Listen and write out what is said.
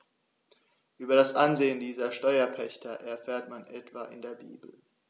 Über das Ansehen dieser Steuerpächter erfährt man etwa in der Bibel.